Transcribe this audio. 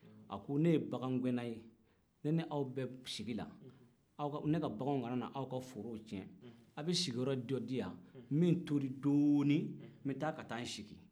a ko ne ye bagangɛnna ne ni aw bɛ sigi la ne ka baganw kana na aw ka forow cɛn a bɛ sigiyɔrɔ dɔ di yan n bɛ n tori dɔɔni n bɛ taa ka taa n sigi